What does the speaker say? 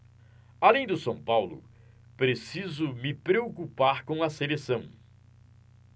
além do são paulo preciso me preocupar com a seleção